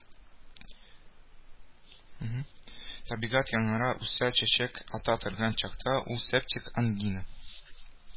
Табигать яңара, үсә, чәчәк ата торган чакта, ул септик ангина